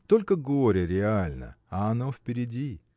Только горе реально, а оно впереди.